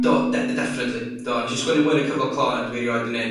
Do defe- definately. Do, nesh i sgwennu mwy yn y cyfno clo na dwi erioed 'di neud